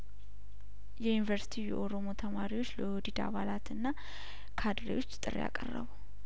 የዩኒቨርስቲ የኦሮሞ ተማሪዎች ለኦህዲድ አባላትና ካድሬዎች ጥሪ አቀረቡ